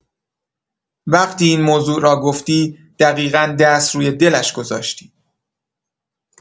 وقتی این موضوع را گفتی، دقیقا دست روی دلش گذاشتی.